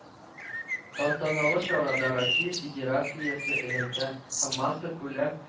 Тантаналы чарада россия федерациясе элемтә һәм массакүләм